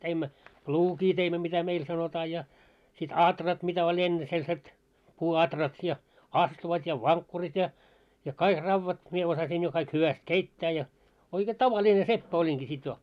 teimme pluukia teimme mitä meillä sanotaan ja sitten aurat mitä oli ennen sellaiset puuaurat ja astuvat ja vankkurit ja ja kaikki raudat minä osasin jo kaikki hyvästi keittää ja oikein tavallinen seppä olinkin sitten jo